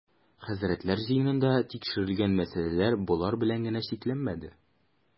Хәзрәтләр җыенында тикшерел-гән мәсьәләләр болар белән генә чикләнмәде.